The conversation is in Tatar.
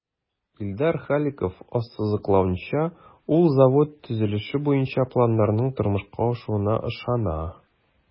Илдар Халиков ассызыклавынча, ул завод төзелеше буенча планнарның тормышка ашуына ышана.